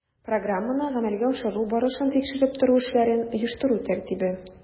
Программаны гамәлгә ашыру барышын тикшереп тору эшләрен оештыру тәртибе